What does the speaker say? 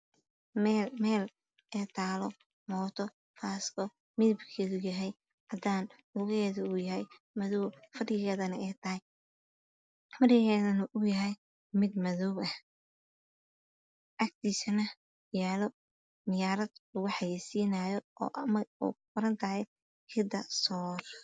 Meel ay taalo mooto basket ah cuntada lugaheeda waa midow fadhigeeda waa madow ayadaha waa caddaan